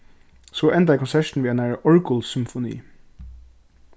so endaði konsertin við einari orgulsymfoni